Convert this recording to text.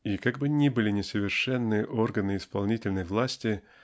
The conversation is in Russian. И как бы ни были несовершенны органы исполнительной власти